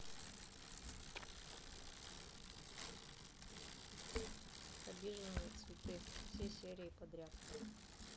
обиженные цветы все серии подряд